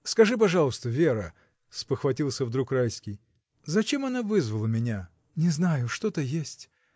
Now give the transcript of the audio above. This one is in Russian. — Скажи, пожалуйста, Вера, — спохватился вдруг Райский, — зачем она вызвала меня?. — Не знаю: что-то есть.